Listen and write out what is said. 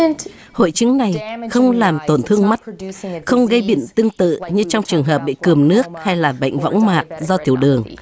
hội chứng này không làm tổn thương mắt không gây bệnh tương tự như trong trường hợp bị cườm nước hay làm bệnh võng mạc do tiểu đường